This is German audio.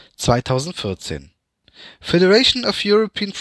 2014: FEP